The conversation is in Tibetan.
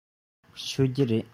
མཆོད ཀྱི རེད